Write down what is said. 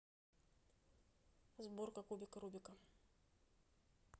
сборка кубика рубика